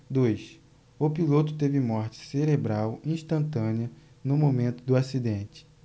dois o piloto teve morte cerebral instantânea no momento do acidente